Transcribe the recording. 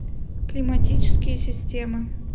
климатические системы